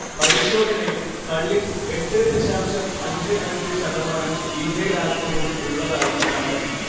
പരിശോധനയിൽ കള്ളിൽ എട്ട് ദശാംശം അഞ്ച് അഞ്ച് ശതമാനം ഈഥൈൽ അൽക്കഹോൾ ഉള്ളതായി കണ്ടെത്തി